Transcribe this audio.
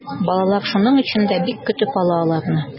Балалар шуның өчен дә бик көтеп ала аларны.